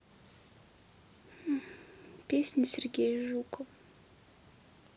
песня сергея жукова